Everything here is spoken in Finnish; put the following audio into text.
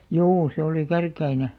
juu se oli Kärkkäinen